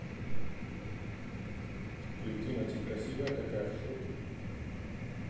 клип тимати красивая такая в шоке